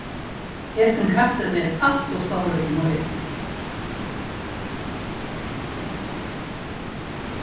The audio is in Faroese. hesin kassin er alt ov stórur til mín